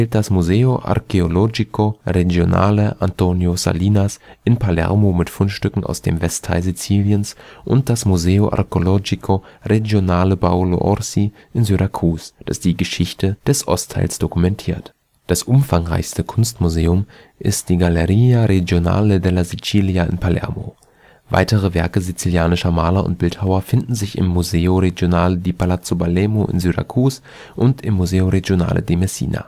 das Museo Archeologico Regionale Antonino Salinas in Palermo mit Fundstücken aus dem Westteil Siziliens und das Museo Archeologico Regionale Paolo Orsi in Syrakus, das die Geschichte des Ostteils dokumentiert. Das umfangreichste Kunstmuseum ist die Galleria Regionale della Sicilia in Palermo. Weitere Werke sizilianischer Maler und Bildhauer befinden sich im Museo Regionale di Palazzo Bellomo in Syrakus und im Museo Regionale di Messina